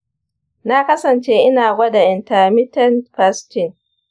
na kasance ina gwada intermittent fasting.